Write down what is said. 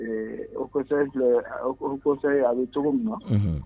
Ɛ haut conseil filɛ haut conseil a bɛ cogo min na, unhun.